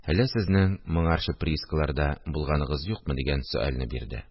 – әллә сезнең моңарчы приискаларда булганыгыз юкмы? – дигән сөальне бирде